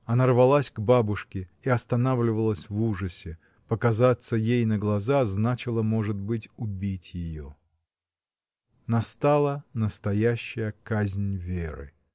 Она рвалась к бабушке и останавливалась в ужасе: показаться ей на глаза значило, может быть, убить ее. Настала настоящая казнь Веры.